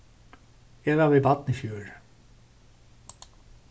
eg var við barn í fjør